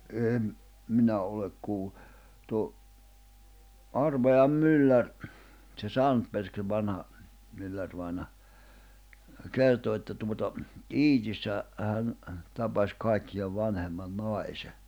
en minä ole kuullut tuo Arvajan mylläri se Sandberg vanha myllärivainaja kertoi että tuota Iitissä hän tapasi kaikkien vanhemman naisen